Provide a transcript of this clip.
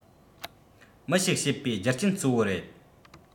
མི ཞིག བྱེད པའི རྒྱུ རྐྱེན གཙོ བོ རེད